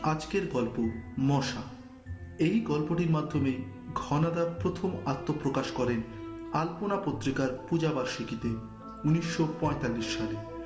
আজকের গল্প মশা এই গল্পটির মাধ্যমে ঘনাদা প্রথম আত্মপ্রকাশ করেন আলপনা পত্রিকার পূজাবার্ষিকীতে ১৯৪৫ সালে